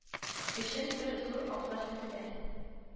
Өчен бер зур абзар төзелә